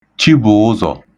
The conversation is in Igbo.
Chibụ̀ụzọ̀